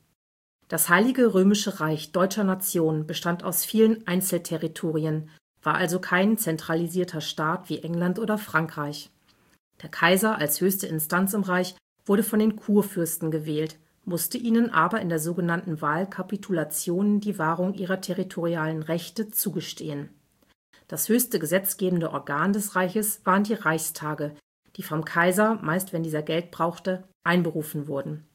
Das Heilige Römische Reich Deutscher Nation bestand aus vielen Einzelterritorien, war also kein zentralisierter Staat wie England oder Frankreich. Der Kaiser als höchste Instanz im Reich wurde von den Kurfürsten gewählt, musste ihnen aber in der sogenannten Wahlkapitulation die Wahrung ihrer territorialen Rechte zugestehen. Das höchste gesetzgebende Organ des Reiches waren die Reichstage, die vom Kaiser, meist wenn dieser Geld brauchte, einberufen wurden